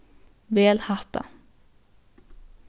vel hatta